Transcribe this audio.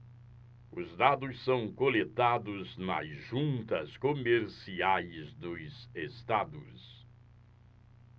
os dados são coletados nas juntas comerciais dos estados